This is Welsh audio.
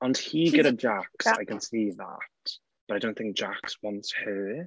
Ond hi gyda Jax I can see that but I don't think Jax wants her.